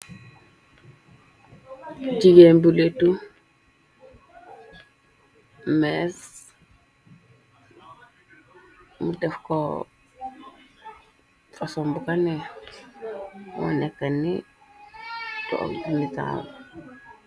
Jigeen bu leetu mes, mu def ko fason bu ko neex, moo nekkan ni toog di nitaalu.